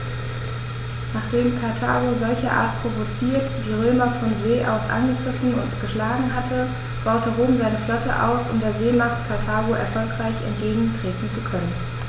Nachdem Karthago, solcherart provoziert, die Römer von See aus angegriffen und geschlagen hatte, baute Rom seine Flotte aus, um der Seemacht Karthago erfolgreich entgegentreten zu können.